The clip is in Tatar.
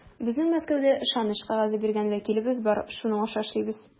Безнең Мәскәүдә ышаныч кәгазе биргән вәкилебез бар, шуның аша эшлибез.